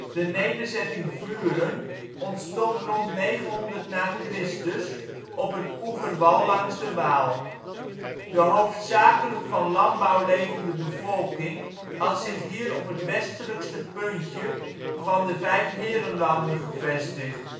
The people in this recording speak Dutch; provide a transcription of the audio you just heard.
De nederzetting Vuren ontstond rond 900 na Chr. op een oeverwal langs de Waal. De hoofdzakelijk van landbouw levende bevolking had zich hier op het westelijkste puntje van de Vijfheerenlanden gevestigd